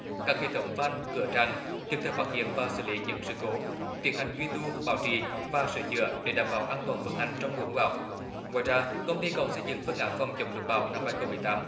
các hệ thống van cửa tràn kịp thời phát hiện và xử lý những sự cố tiến hành duy tu bảo trì và sửa chữa để đảm bảo an toàn vận hành trong mùa mưa bão ngoài ra công ty còn xây dựng phương án phòng chống lụt bão năm hai không mười tám